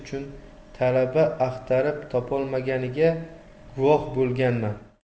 uchun talaba axtarib topolmaganiga guvoh bo'lganman